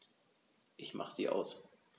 Ich mache sie aus.